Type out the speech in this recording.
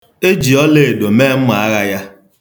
E ji ọlaedo mee mmaagha ya.